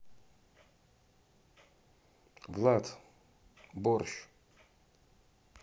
влад борщ